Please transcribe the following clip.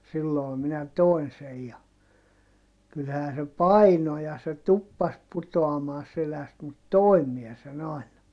silloin minä toin sen ja kyllähän se painoi ja se tuppasi putoamaan selästä mutta toin minä sen aina